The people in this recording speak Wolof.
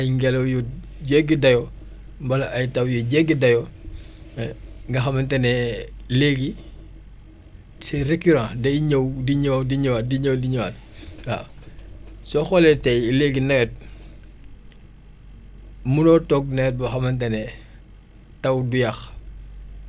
ay ngelaw yu jéggi dayoo mbala ay taw yu jéggi dayoo nga xamante ne léegi c' est récurrent day ñëw di ñëw di ñëwaat di ñëw di ñëwaat waaw soo xoolee tey léegi nawet munoo toog nawet boo xamante ne taw du yàq